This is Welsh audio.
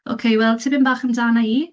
Ocê wel tipyn bach amdana i.